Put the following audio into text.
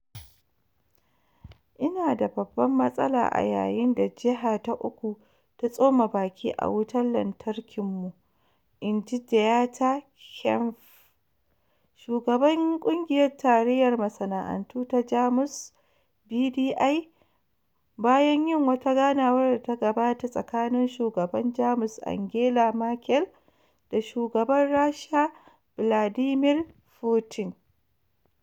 "Ina da babban matsala a yayin da jiha ta uku ta tsoma baki a wutar lantarkinmu," in ji Dieter Kempf, shugaban kungiyar tarayyar masana'antu ta Jamus (BDI), bayan yin wata ganawar da ta gabata tsakanin shugaban Jamus Angela Merkel da shugaban Rasha Vladimir Putin.